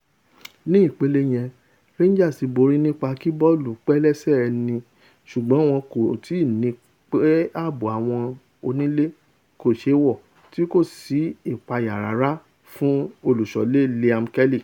Ní ipele yẹn, Rangers ti borí nípa kí bọ́ọ̀lù pẹ́ lẹ́sẹ̀ ẹni sùgbọ́n wọ́n ti rí i pé ààbò àwọn onile kòṣeé wọ tí kòsí sí ìpayá rárá fún olùṣọ́lé Liam Kelly.